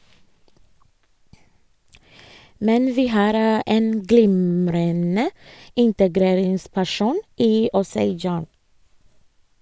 Men vi har en glimrende integreringsperson i Osei Gyan.